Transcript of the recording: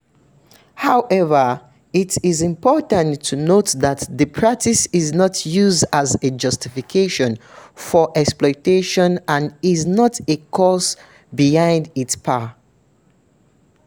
However, it is important to note that the practice is used as a justification for exploitation and is not a cause behind it per se.